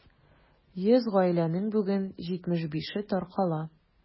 100 гаиләнең бүген 75-е таркала.